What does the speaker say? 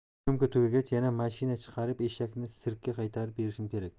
syomka tugagach yana mashina chaqirib eshakni sirkka qaytarib berishim kerak